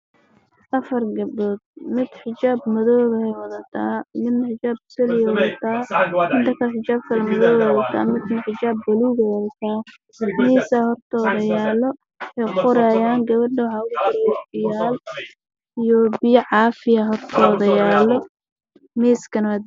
Waa afar gabdhood miis hortooda yaalo